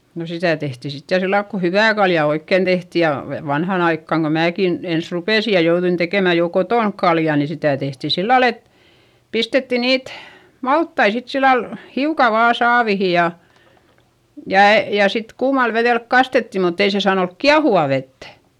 no sitä tehtiin sitten ja sillä lailla kun hyvää kaljaa oikein tehtiin ja - vanhaan aikaan kun minäkin ensin rupesin ja jouduin tekemään jo kotona kaljaa niin sitä tehtiin sillä lailla että pistettiin niitä maltaita sitten sillä lailla hiukan vain saaviin ja ja ja sitten kuumalla vedellä kastettiin mutta ei se saanut olla kiehuvaa vettä